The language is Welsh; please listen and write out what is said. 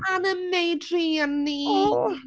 Anna May druan ni... O!